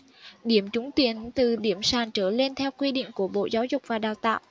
điểm trúng tuyển từ điểm sàn trở lên theo quy định của bộ giáo dục và đào tạo